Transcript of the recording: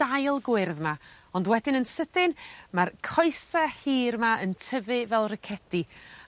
dail gwyrdd 'ma ond wedyn yn sydyn ma'r coese hir 'ma yn tyfu fel rocedi.